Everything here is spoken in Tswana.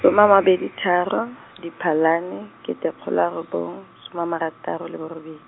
soma ama babedi tharo, Diphalane, kete kgolo a robong, soma a marataro le borobe-.